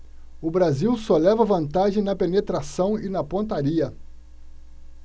o brasil só leva vantagem na penetração e na pontaria